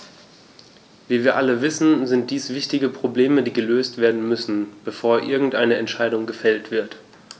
Wie wir alle wissen, sind dies wichtige Probleme, die gelöst werden müssen, bevor irgendeine Entscheidung gefällt wird.